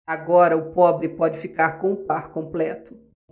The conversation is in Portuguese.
agora o pobre pode ficar com o par completo